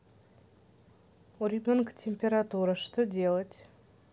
у ребенка температура что делать